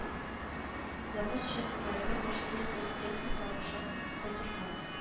Запас частьларны башсельхозтехника аша кайтартабыз